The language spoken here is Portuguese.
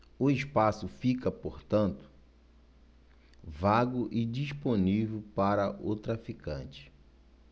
o espaço fica portanto vago e disponível para o traficante